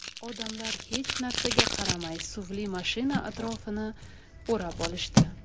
odamlar hech narsaga qaramay suvli mashina atrofini o'rab olishdi